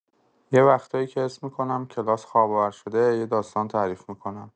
یه وقتایی که حس می‌کنم کلاس خواب‌آور شده، یه داستان تعریف می‌کنم.